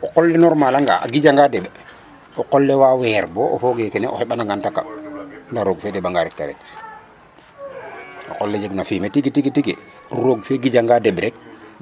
O qol le normal anga a gijanga deɓ o qole wa weer bo o fooge kene o xeɓandangan te kaɓ ndaa roog fe deɓanga rek ta ret .O qol le jegna fumier tigi tigi roog fe gijanga deɓ rek